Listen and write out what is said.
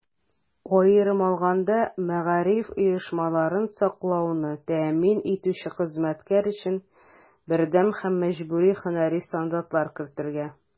Аерым алганда, мәгариф оешмаларын саклауны тәэмин итүче хезмәткәр өчен бердәм һәм мәҗбүри һөнәри стандартлар кертергә.